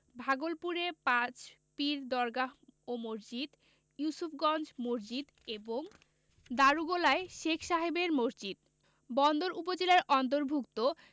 ভাগলপুরে পাঁচ পীর দরগাহ ও মসজিদ ইউসুফগঞ্জ মসজিদ এবং দারুগোলায় শেখ সাহেবের মসজিদ বন্দর উপজেলার অন্তর্ভুক্ত